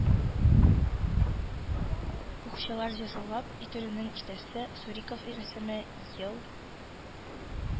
Укчылар җәзалап үтерүенең иртәсе, Суриков рәсеме, ел